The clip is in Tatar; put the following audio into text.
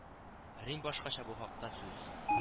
Рим башкача бу хакта сүз